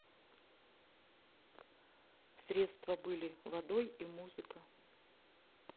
средства были водой и музыка